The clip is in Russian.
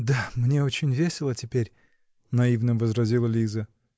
-- Да, мне очень весело теперь, -- наивно возразила Лиза.